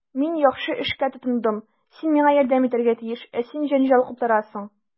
Мин яхшы эшкә тотындым, син миңа ярдәм итәргә тиеш, ә син җәнҗал куптарасың.